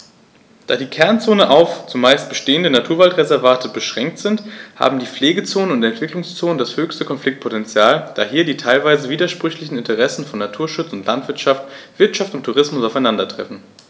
Da die Kernzonen auf – zumeist bestehende – Naturwaldreservate beschränkt sind, haben die Pflegezonen und Entwicklungszonen das höchste Konfliktpotential, da hier die teilweise widersprüchlichen Interessen von Naturschutz und Landwirtschaft, Wirtschaft und Tourismus aufeinandertreffen.